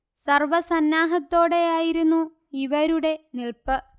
സർവ സന്നാഹത്തോടെയായിരുന്നു ഇവരുടെ നില്പ്പ്